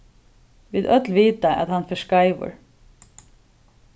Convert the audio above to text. vit øll vita at hann fer skeivur